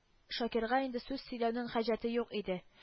Шакирга инде сүз сөйләүнең хаҗәте юк иде